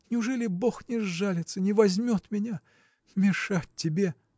неужели бог не сжалится, не возьмет меня? Мешать тебе.